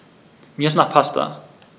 Mir ist nach Pasta.